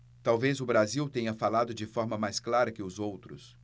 talvez o brasil tenha falado de forma mais clara que os outros